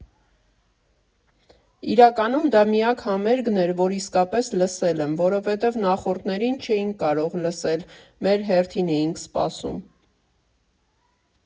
Իրականում դա միակ համերգն էր, որ իսկապես լսել եմ, որովհետև նախորդներին չէինք կարող լսել՝ մեր հերթին էինք սպասում։